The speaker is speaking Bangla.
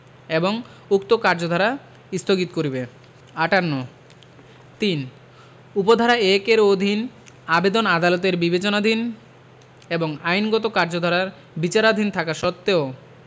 এবং উক্ত কার্যধারা স্থগিত করিবে ৫৮ ৩ উপ ধারা ১ এর অধীন আবেদন আদালতের বিবেচনাধীন এবং আইনগত কার্যধারা বিচারাধীন থাকা সত্ত্বেও